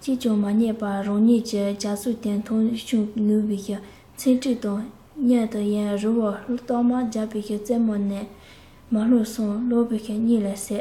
གཅིག ཀྱང མ རྙེད པ རང ཉིད ཀྱི རྒྱབ གཟུགས དེ མཐོང བྱུང ནུབ ཁའི མཚམས སྤྲིན དང མཉམ དུ ཡལ རི བོ སྟག མ རྒྱས པའི རྩེ མོ ནས མར ལྷུང སོང གླུ བུར གཉིད ལས སད